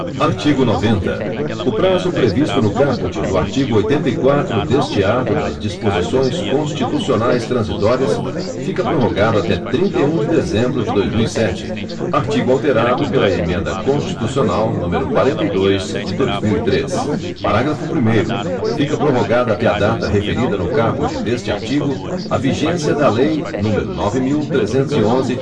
artigo noventa o prazo previsto no caput do artigo oitenta e quatro deste ato das disposições constitucionais transitórias fica prorrogado até trinta e um de dezembro de dois mil e sete artigo alterado pela emenda constitucional número quarenta e dois de dois mil e três parágrafo primeiro fica prorrogada até a data referida no caput deste artigo a vigência da lei número nove mil trezentos e onze